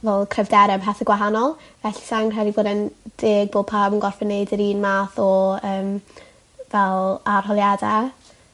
fel cryfdere a pethe gwahanol felly sai'n credu bod e'n deg bo' pawb yn gorffo' neud yr un math o yym fel arholiade.